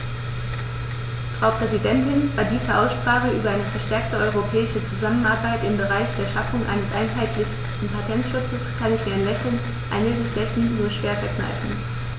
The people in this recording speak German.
Frau Präsidentin, bei dieser Aussprache über eine verstärkte europäische Zusammenarbeit im Bereich der Schaffung eines einheitlichen Patentschutzes kann ich mir ein Lächeln - ein mildes Lächeln - nur schwer verkneifen.